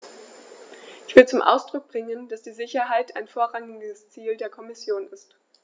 Ich will zum Ausdruck bringen, dass die Sicherheit ein vorrangiges Ziel der Kommission ist.